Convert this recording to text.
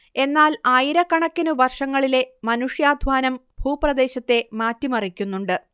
എന്നാൽ ആയിരക്കണക്കിനു വർഷങ്ങളിലെ മനുഷ്യാധ്വാനം ഭൂപ്രദേശത്തെ മാറ്റിമറിക്കുന്നുണ്ട്